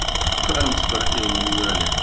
пранк в спортивном зале